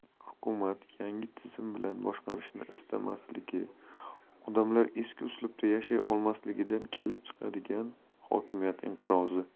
hukumat yangi tizim bilan boshqarishni istamasligi odamlar eski uslubda yashay olmasligidan kelib chiqadigan hokimiyat inqirozi